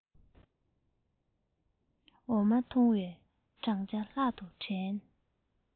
འོ མ འཐུང བའི བགྲང བྱ ལྷག ཏུ དྲན